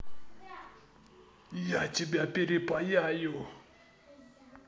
я тебя перепаяю